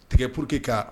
Tigɛ pour que ka.